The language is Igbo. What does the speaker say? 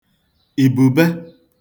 ìbùbe